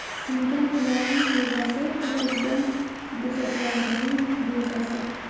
singan kulolning ko'zasi to'kilgan bo'zagarning bo'zasi